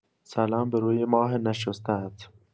سلام به روی ماه نشسته‌ات.